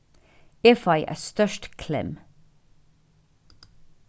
eg fái eitt stórt klemm